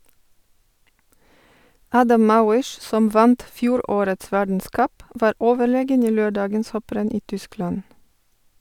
Adam Malysz, som vant fjorårets verdenscup, var overlegen i lørdagens hopprenn i Tyskland.